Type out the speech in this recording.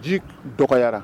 Ji dɔgɔyara